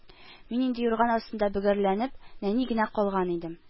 Мин инде юрган астында бөгәрләнеп, нәни генә калган идем